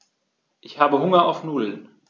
Ich habe Hunger auf Nudeln.